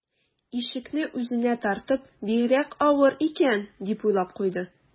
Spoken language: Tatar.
Ишекне үзенә тартып: «Бигрәк авыр икән...», - дип уйлап куйды